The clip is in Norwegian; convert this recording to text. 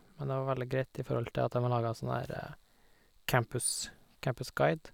Men det var veldig greit i forhold til at dem har laga sånn herre campus campusguide.